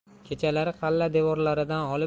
kechalari qala devorlaridan oshib